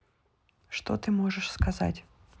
что ты можешь сказать